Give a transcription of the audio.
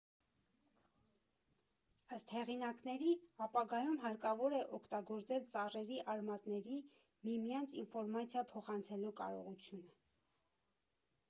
Ըստ հեղինակների ապագայում հարկավոր է օգտագործել ծառերի արմատների՝ միմյանց ինֆորմացիա փոխանցելու կարողությունը։